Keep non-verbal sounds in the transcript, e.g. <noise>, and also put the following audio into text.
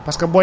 <hesitation> <hesitation>